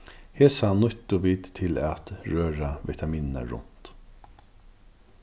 hesa nýttu vit til at røra vitaminirnar runt